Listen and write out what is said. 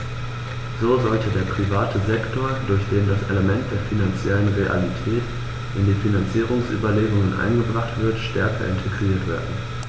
So sollte der private Sektor, durch den das Element der finanziellen Realität in die Finanzierungsüberlegungen eingebracht wird, stärker integriert werden.